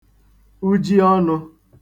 ujiọnū